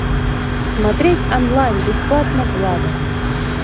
смотреть онлайн бесплатно влада